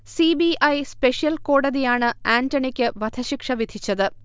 C. B. I special കോടതിയാണ് ആന്റണിക്ക് വധശിക്ഷ വിധിച്ചത്